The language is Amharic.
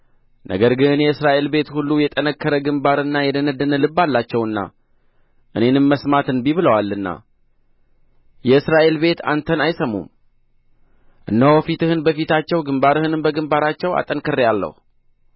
ነገር ግን የእስራኤል ቤት ሁሉ የጠነከረ ግምባርና የደነደነ ልብ አላቸውና እኔንም መስማት እንቢ ብለዋልና የእስራኤል ቤት አንተን አይሰሙም እነሆ ፊትህን በፊታቸው ግምባርህንም በግምባራቸው አጠንክሬአለሁ